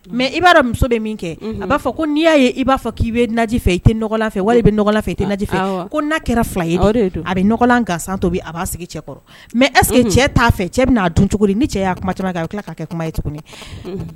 Mɛ i b'a muso bɛ min kɛ a b'a fɔ ko n'i y'a i' fɔ k'i bɛji fɛ i tɛ fɛ bɛ fɛ i tɛ ko kɛra fila a bɛ san to a b'a sigi kɔrɔ mɛ ɛseke cɛ t'a fɛ cɛ bɛna'a dun cogo ni cɛ y'a kuma caman kan tila k' kɛ kuma ye tuguni